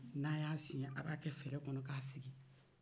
n'a ya siyen a b'a kɛ fɛrɛ kɔnɔ ka sigi